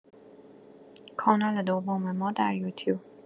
کانال دوم ما در یوتیوب